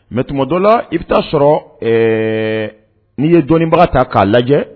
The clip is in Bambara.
Mais tuma dɔ la i bɛ taa sɔrɔ ɛɛ n'i ye dɔnnibaga ta k'a lajɛ